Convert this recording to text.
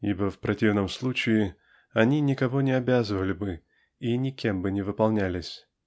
ибо в противном случае они никого не обязывали бы и никем бы не выполнялись.